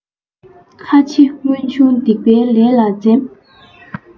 ཁེ ཆེ མངོན ཆུང སྡིག པའི ལས ལ འཛེམ